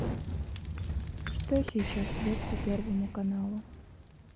что сейчас идет по первому каналу